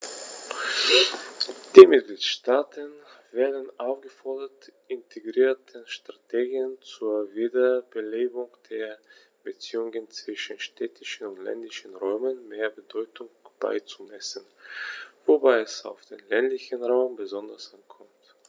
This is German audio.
Die Mitgliedstaaten werden aufgefordert, integrierten Strategien zur Wiederbelebung der Beziehungen zwischen städtischen und ländlichen Räumen mehr Bedeutung beizumessen, wobei es auf den ländlichen Raum besonders ankommt.